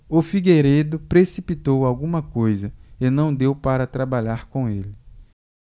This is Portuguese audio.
o figueiredo precipitou alguma coisa e não deu para trabalhar com ele